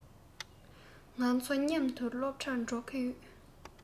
ང ཚོ མཉམ དུ སློབ གྲྭར འགྲོ གི ཡོད